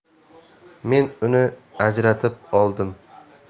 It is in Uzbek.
men uni ajratib oldim